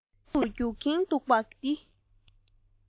ཤང ཤང དུ རྒྱུག གིན འདུག པ འདི